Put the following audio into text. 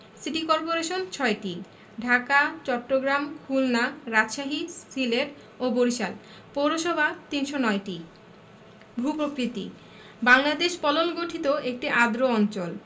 city corporation ৬টি ঢাকা চট্টগ্রাম খুলনা রাজশাহী সিলেট ও বরিশাল পৌরসভা ৩০৯টি ভূ প্রকৃতিঃ বাংলদেশ পলল গঠিত একটি আর্দ্র অঞ্চল